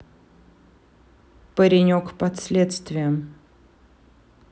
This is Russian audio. паренек под следствием